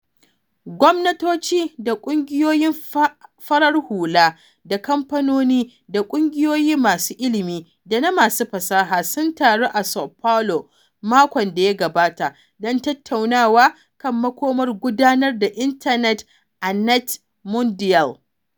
Gwamnatoci, da ƙungiyoiyin farar hula, da kamfanoni, da ƙungiyoin masu ilimi da na masu fasaha sun taru a Sao Paulo makon da ya gabata don tattaunawa kan makomar gudanar da Intanet a NETmundial.